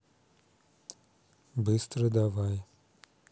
быстро давай